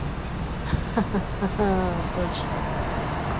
ха ха ха точно